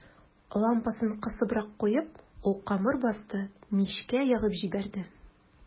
Лампасын кысыбрак куеп, ул камыр басты, мичкә ягып җибәрде.